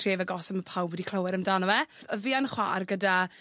...tref agosa ma' pawb wedi clywed amdano fe. Yy fi yn chwa'r gyda